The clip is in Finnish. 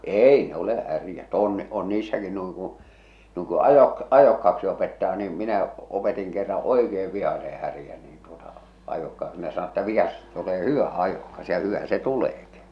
ei ne ole härät on on niissäkin noin kun noin kun - ajokkaaksi opettaa niin minä opetin kerran oikein vihaisen härän niin tuota ajokkaaksi kun ne sanoi että vihaisesta tulee hyvä ajokas ja hyvä se tuleekin